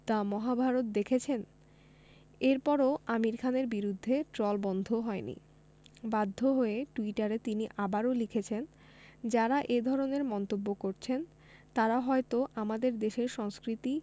“the Mahabharat” দেখেছেন এরপরও আমির খানের বিরুদ্ধে ট্রল বন্ধ হয়নি বাধ্য হয়ে টুইটারে তিনি আবারও লিখেছেন যাঁরা এ ধরনের মন্তব্য করছেন তাঁরা হয়তো আমাদের দেশের সংস্কৃতি